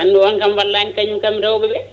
andu on wallani kañum kam rewɓeɓe